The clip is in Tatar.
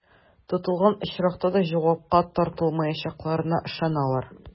Тотылган очракта да җавапка тартылмаячакларына ышаналар.